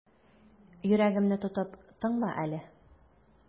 Йөрәгемне тотып тыңла әле.